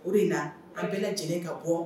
Olu de na ka bɛɛ lajɛlen ka bɔ